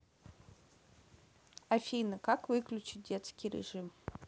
афина как выключить детский режим